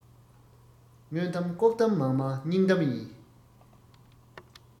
མངོན གཏམ ལྐོག གཏམ མ མང སྙིང གཏམ ཡིན